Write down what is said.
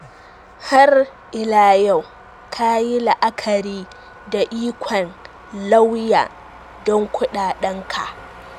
Har ila yau, kayi la'akari da ikon lauya don kudaden ka.